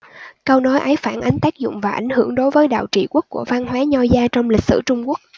câu nói ấy phản ánh tác dụng và ảnh hưởng đối với đạo trị quốc của văn hóa nho gia trong lịch sử trung quốc